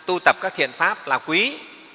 tu tập các thiện pháp là quý